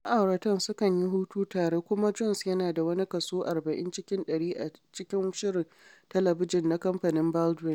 Ma’auratan sukan yi hutu tare kuma Jones yana da wani kaso 40 cikin dari a cikin shirin talabijin na kamfanin Baldwin.